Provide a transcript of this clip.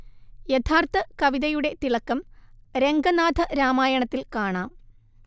യഥാർഥ കവിതയുടെ തിളക്കം രംഗനാഥ രാമായണത്തിൽ കാണാം